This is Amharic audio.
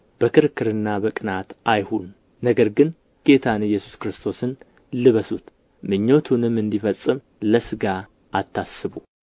በክርክርና በቅናት አይሁን ነገር ግን ጌታን ኢየሱስ ክርስቶስን ልበሱት ምኞቱንም እንዲፈጽም ለሥጋ አታስቡ